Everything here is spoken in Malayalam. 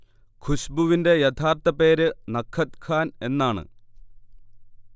ഖുശ്ബുവിന്റെ യഥാർഥ പേര് നഖത് ഖാൻ എന്നാണ്